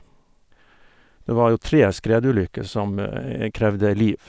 Det var jo tre skredulykker som krevde liv.